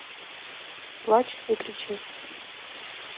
плачь и кричи